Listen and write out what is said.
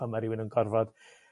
pan ma' rywun yn gorfod